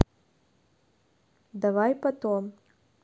давай потом